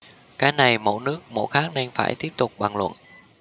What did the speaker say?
cái này mỗi nước mỗi khác nên phải tiếp tục bàn luận